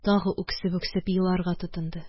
Тагы үксеп-үксеп еларга тотынды